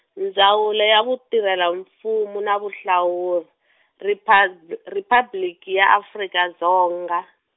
Ndzawulo ya Vutirhela-Mfumo na Vulawuri, Ripha- Riphabliki ya Afrika Dzonga.